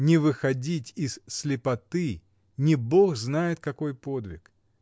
— Не выходить из слепоты — не бог знает какой подвиг!.